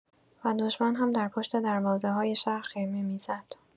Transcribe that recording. و دشمن هم در پشت دروازه‌های شهر خیمه می‌زد.